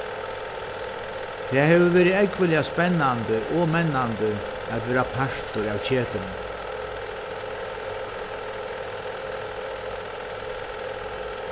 tað hevur verið ógvuliga spennandi og mennandi at vera partur av ketuni